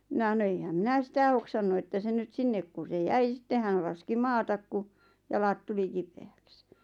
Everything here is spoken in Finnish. minä sanoi eihän minä sitä hoksannut että se nyt sinne kun se jäi sitten hän laski maata kun jalat tuli kipeäksi